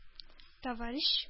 Товарищ